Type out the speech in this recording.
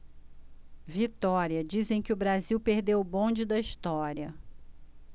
vitória dizem que o brasil perdeu o bonde da história